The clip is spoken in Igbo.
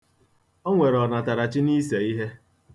O nwere ọnatarachi n'ise ihe.